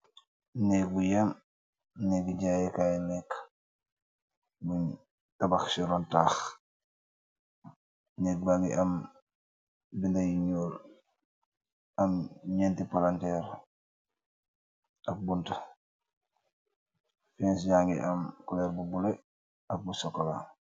Negg bu yeum, neggu jaayeh kaii lekkue, bungh tabakh chi ron taaah, negg baangy amm binda yu njull, am njenti palanterre ak bunta, fence yaangy am couleur bu bleu ak bu chocolat.